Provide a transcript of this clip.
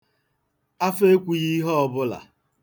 Afa ekwughị ihe ọbụla.